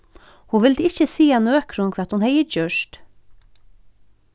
hon vildi ikki siga nøkrum hvat hon hevði gjørt